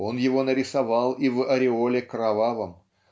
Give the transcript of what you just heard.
он его нарисовал и в ореоле кровавом